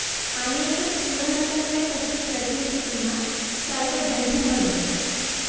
അനേകം ശിവനൃത്തങ്ങളെപ്പറ്റി പ്രകീർത്തിക്കുന്ന ശൈവഗ്രന്ഥങ്ങളുണ്ട്